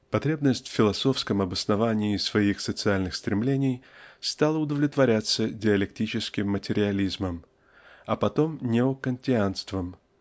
Потребность в философском обосновании своих социальных стремлений стала удовлетворяться диалектическим материализмом а потом неокантианством